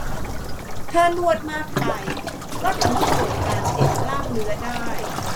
ถ้านวดมากไปก็ทำให้เกิดการเจ็บกล้ามเนื้อได้